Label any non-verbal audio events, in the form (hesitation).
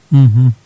(hesitation) (hesitation)